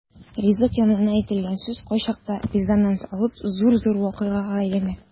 Ризык янында әйтелгән сүз кайчакта резонанс алып зур-зур вакыйгага әйләнә.